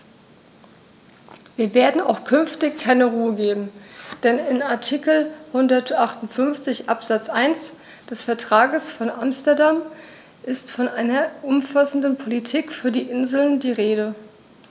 Wir werden auch künftig keine Ruhe geben, denn in Artikel 158 Absatz 1 des Vertrages von Amsterdam ist von einer umfassenden Politik für die Inseln die Rede.